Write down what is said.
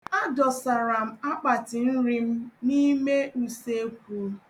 A dọsara m akpatinri m n'ime usekwu.